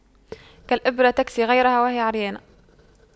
كالإبرة تكسي غيرها وهي عريانة